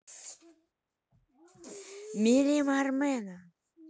melim армена